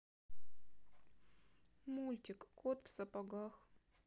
мультик кот в сапогах